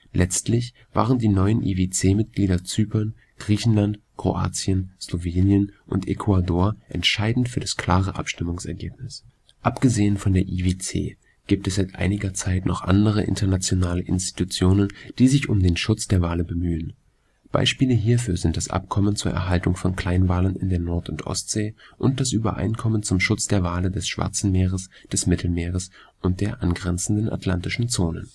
Letztlich waren die neuen IWC-Mitglieder Zypern, Griechenland, Kroatien, Slowenien und Ecuador entscheidend für das klare Abstimmungsergebnis. Abgesehen von der IWC gibt es seit einiger Zeit noch andere internationale Institutionen, die sich um den Schutz der Wale bemühen. Beispiele hierfür sind das Abkommen zur Erhaltung von Kleinwalen in der Nord - und Ostsee (ASCOBANS) und das Übereinkommen zum Schutz der Wale des Schwarzen Meeres, des Mittelmeeres und der angrenzenden Atlantischen Zonen